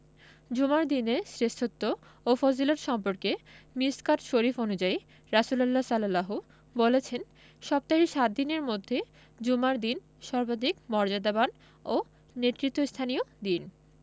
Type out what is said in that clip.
জুমার দিনের শ্রেষ্ঠত্ব ও ফজিলত সম্পর্কে মিশকাত শরিফ অনুযায়ী রাসুলুল্লাহ সা বলেছেন সপ্তাহের সাত দিনের মধ্যে জুমার দিন সর্বাধিক মর্যাদাবান ও নেতৃত্বস্থানীয় দিন